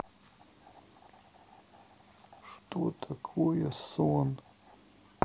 что такое сон